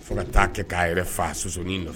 Fo ka t'a kɛ k'a yɛrɛ faa sosonin nɔ